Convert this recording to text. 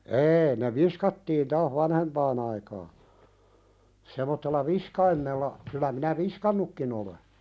ei ne viskattiin taas vanhempaan aikaan semmoisella viskaimella kyllä minä viskannutkin olen